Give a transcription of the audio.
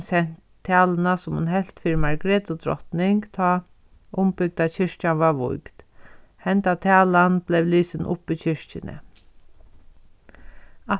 sent taluna sum hon helt fyri margrethu drotning tá umbygda kirkjan varð vígd hendan talan bleiv lisin upp í kirkjuni